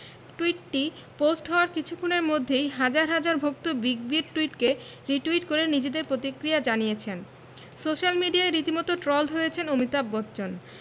টুইটটি post হওয়ার কিছুক্ষণের মধ্যেই হাজার হাজার ভক্ত বিগ বির টুইটকে রিটুইট করে নিজেদের প্রতিক্রিয়া জানিয়েছেন সোশ্যাল মিডিয়ায় রীতিমতো ট্রলড হয়েছেন অমিতাভ বচ্চন